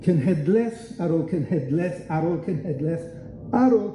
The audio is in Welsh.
cenhedleth ar ôl cenhedleth, ar ôl cenhedleth, ar ôl